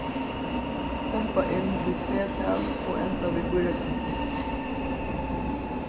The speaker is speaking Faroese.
tøppa inn títt p-tal og enda við fýrakanti